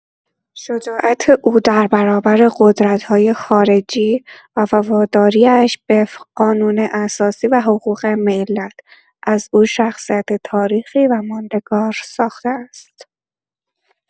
شجاعت او در برابر قدرت‌های خارجی و وفاداری‌اش به قانون اساسی و حقوق ملت، از او شخصیتی تاریخی و ماندگار ساخته است.